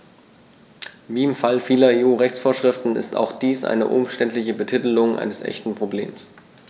Wie im Fall vieler EU-Rechtsvorschriften ist auch dies eine umständliche Betitelung eines echten Problems.